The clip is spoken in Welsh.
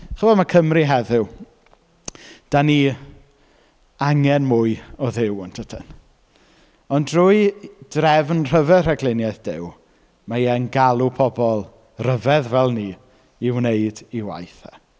Chibod ma' Cymru heddiw, dan ni angen mwy o Dduw, yn dyden? Ond drwy drefn rhyfedd rhagluniaeth Duw, mae e'n galw pobl rhyfedd fel ni i wneud ei waith e.